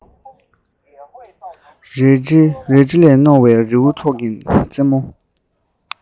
རལ གྲི ལས རྣོ བའི རི བོའི ཚོགས ཀྱི རྩེ མོ